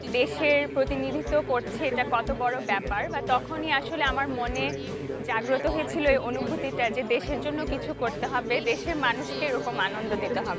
দেশের প্রতিনিধিত্ব করছি এটা কত বড় ব্যাপার বা তখনই আমার মনে জাগ্রত হয়েছিল এ অনুভূতিটা যে দেশের জন্য কিছু করতে হবে দেশের মানুষকে এরকম আনন্দ দিতে হবে